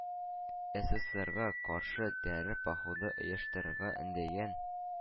Эсэсэсэрга каршы “тәре походы” оештырырга өндәгән